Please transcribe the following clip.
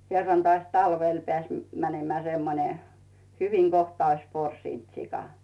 kerran taas talvella pääsi menemään semmoinen hyvin kohta olisi porsinut sika